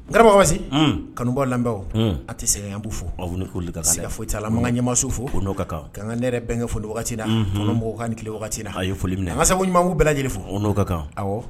N g garaba kanubɔ lamɛn a tɛ sɛgɛnbu fo aw ni'li ka sira foyi taa ala ma ka ɲɛmaso fo' n'o ka kan kan ka n yɛrɛ bɛnkɛ foni wagati la an mɔgɔkan ni tile wagati la ha ye foli minɛ n masa ɲuman bɛ lajɛlen fɔ n'o ka kan